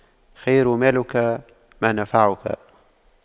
خير مالك ما نفعك